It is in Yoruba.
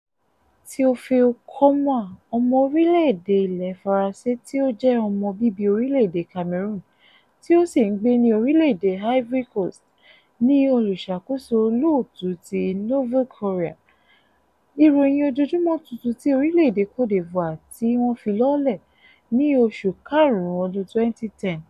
Théophile Kouamouo, ọmọ orílẹ̀ èdè Ilẹ̀ Faransé tí ó jẹ́ ọmọ bíbí orílẹ̀ èdè Cameroon tí ó sì ń gbé ní orílẹ̀ èdè Ivory Coast, ní Olùṣàkóso Olóòtú ti Nouveau Courier, ìròyìn ojoojúmọ́ tuntun ti orílẹ̀ èdè Cote d'Ivoire tí wọ́n fi lólẹ̀ ní oṣù Karùn-ún ọdún 2010.